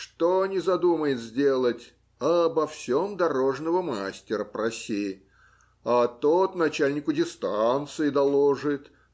что ни задумает сделать, обо всем дорожного мастера проси, а тот начальнику дистанции доложит